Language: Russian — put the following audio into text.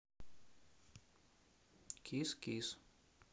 кис кис